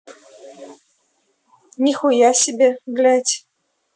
нихуя себе блядь